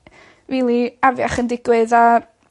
rili afiach yn digwydd a